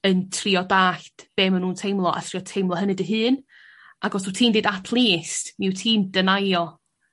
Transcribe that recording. yn trio dallt be' ma' nhw'n teimlo a trio teimlo hynny dy hun, ag os w't ti'n deud at least mi wyt ti'n denyo...